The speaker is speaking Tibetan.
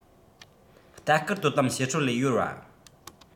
ལྟ སྐུལ དོ དམ བྱེད སྲོལ ལས གཡོལ བ